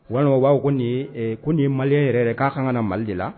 Walima' ko nin ko nin ye mali yɛrɛ ye k'a kan ka na mali de la